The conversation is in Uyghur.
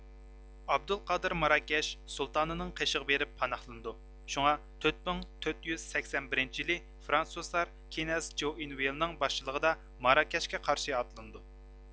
ئابدۇل قادىر ماراكەش سۇلتانىنىڭ قېشىغا بېرىپ پاناھلىنىدۇ شۇڭا تۆت مىڭ تۆت يۈز سەكسەن بىرىنچى يىلى فرانسۇزلار كېنەز جوئىنۋىلېنىڭ باشچىلىقىدا ماراكەشكە قارشى ئاتلىنىدۇ